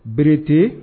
Berete